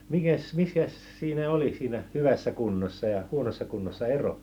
mikäs mikäs siinä oli siinä hyvässä kunnossa ja huonossa kunnossa ero